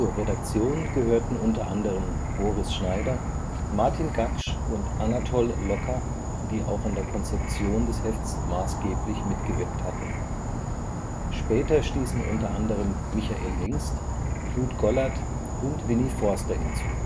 Redaktion gehörten unter anderem Boris Schneider, Martin Gaksch und Anatol Locker, die auch an der Konzeption des Hefts maßgeblich mitgewirkt hatten. Später stießen unter anderem Michael Hengst, Knut Gollert und Winnie Forster hinzu